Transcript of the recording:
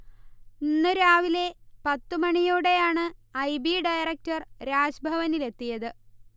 ഇന്നു രാവിലെ പത്തു മണിയോടെയാണ് ഐ. B director രാജ്ഭവനിലെത്തിയത്